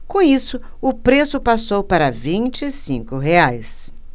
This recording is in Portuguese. com isso o preço passou para vinte e cinco reais